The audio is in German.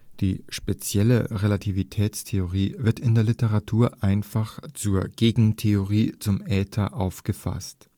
Die spezielle Relativitätstheorie wird in der Literatur vielfach als Gegentheorie zum Äther aufgefasst